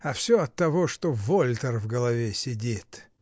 А все оттого, что Волтер в голове сидит".